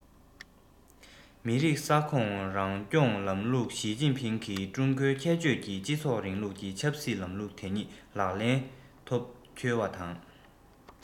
མི རིགས ས ཁོངས རང སྐྱོང ལམ ལུགས ཞིས ཅིན ཕིང གིས ཀྲུང གོའི ཁྱད ཆོས ཀྱི སྤྱི ཚོགས རིང ལུགས ཀྱི ཆབ སྲིད ལམ ལུགས དེ ཉིད ལག ལེན ཐོག འཁྱོལ བ དང